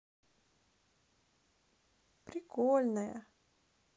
прикольная